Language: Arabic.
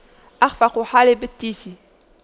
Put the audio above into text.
أَخْفَقَ حالب التيس